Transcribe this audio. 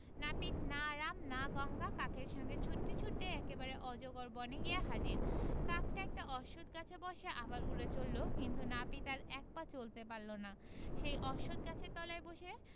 নাপিত না রাম না গঙ্গা কাকের সঙ্গে ছুটতে ছুটতে একেবারে অজগর বনে গিয়ে হাজির কাকটা একটা অশ্বখ গাছে বসে আবার উড়ে চলল কিন্তু নাপিত আর এক পা চলতে পারল না সেই অশ্বখ গাছের তলায় বসে